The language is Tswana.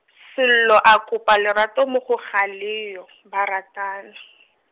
Sello a kopa lerato mo go Galeyo , ba ratana.